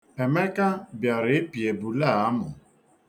Emeka bịara ịpị ebule a amụ.